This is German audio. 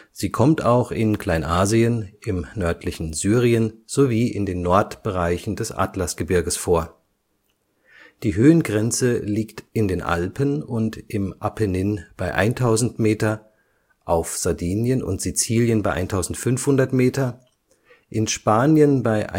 Sie kommt auch in Kleinasien, im nördlichen Syrien sowie in den Nordbereichen des Atlasgebirges vor. Die Höhengrenze liegt in den Alpen und im Apennin bei 1000 Meter, auf Sardinien und Sizilien bei 1500 Meter, in Spanien bei